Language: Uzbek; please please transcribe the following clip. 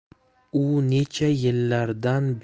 u necha yillardan